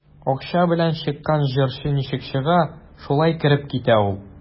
Акча белән чыккан җырчы ничек чыга, шулай кереп китә ул.